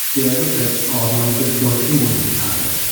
der Geschäftsordnung des Deutschen Bundestages